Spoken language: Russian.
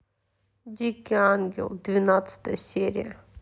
дикий ангел двенадцатая серия